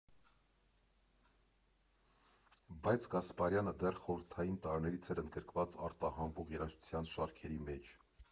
Բայց Գասպարյանը դեռ խորհրդային տարիներից էր ընդգրկված արտահանվող երաժշտության շարքերի մեջ։